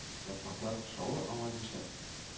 Яфраклар шавы аңа нишлә